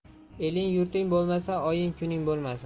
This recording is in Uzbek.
eling yurting bo'lmasa oying kuning bo'lmasin